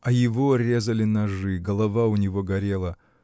А его резали ножи, голова у него горела.